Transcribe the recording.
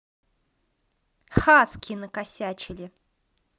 хаски накосячили